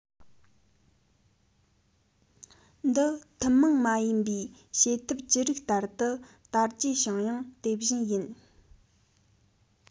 འདི ཐུན མོང མ ཡིན པའི བྱེད ཐབས ཅི རིགས ལྟར ཏུ དར རྒྱས བྱུང ཡང དེ བཞིན ཡིན